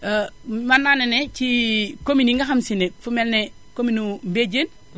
mën naa ne ne ci commune yi nga xam si ne fu mel ne commune Mdiediene